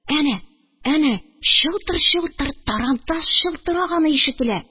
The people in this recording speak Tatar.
Әнә, әнә чылтыр-чылтыр тарантас чылтыраганы ишетелә.